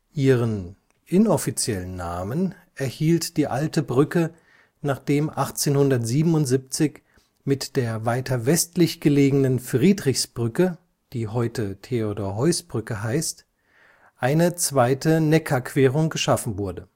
Ihren (inoffiziellen) Namen erhielt die Alte Brücke, nachdem 1877 mit der weiter westlich gelegenen Friedrichsbrücke (heute Theodor-Heuss-Brücke) eine zweite Neckarquerung geschaffen wurde